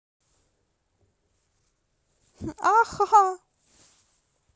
аха